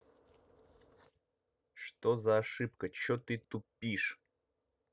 что за ошибка че ты тупишь